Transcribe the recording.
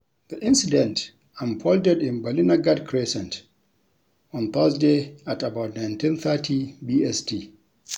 The incident unfolded in Ballynagard Crescent on Thursday at about 19:30 BST.